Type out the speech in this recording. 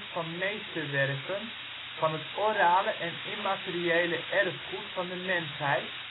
van Meesterwerken van het Orale en Immateriële Erfgoed van de Mensheid